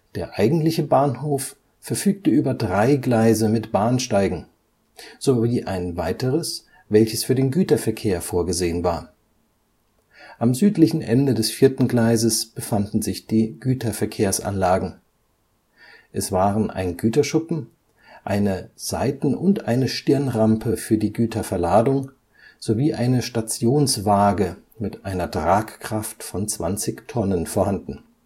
Der eigentliche Bahnhof verfügte über drei Gleise mit Bahnsteigen, sowie ein weiteres, welches für den Güterverkehr vorgesehen war. Am südlichen Ende des vierten Gleises befanden sich die Güterverkehrsanlagen. Es waren ein Güterschuppen, eine Seiten - und eine Stirnrampe für die Güterverladung, sowie eine Stationswaage mit einer Tragkraft von 20 Tonnen vorhanden